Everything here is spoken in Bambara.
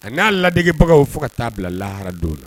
A n'a ladegebaga fo ka taa bila lahara dɔw la